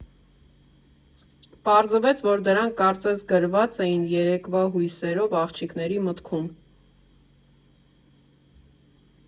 Պարզվեց, որ դրանք կարծես գրված էին երեկվա հյուսերով աղջիկների մտքում։